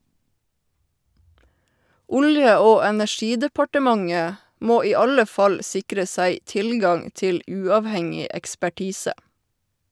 Olje- og energidepartementet må i alle fall sikre seg tilgang til uavhengig ekspertise.